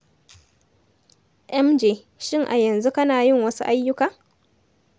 MJ: Shin a yanzu kana yin wasu ayyuka?